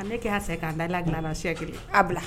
A ne k se k' da dilanla siya kelen a bila